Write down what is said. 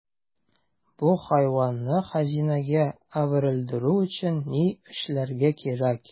Бу хайванны хәзинәгә әверелдерү өчен ни эшләргә кирәк?